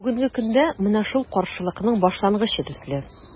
Бүгенге көндә – менә шул каршылыкның башлангычы төсле.